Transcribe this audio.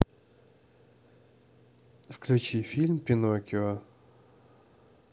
включи фильм пиноккио